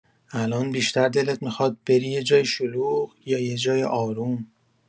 الان بیشتر دلت میخواد بری یه جای شلوغ یا یه جای آروم؟